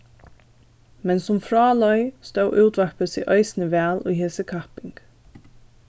men sum frá leið stóð útvarpið seg eisini væl í hesi kapping